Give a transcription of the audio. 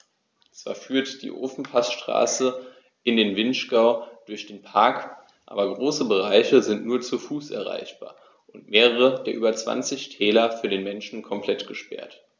Zwar führt die Ofenpassstraße in den Vinschgau durch den Park, aber große Bereiche sind nur zu Fuß erreichbar und mehrere der über 20 Täler für den Menschen komplett gesperrt.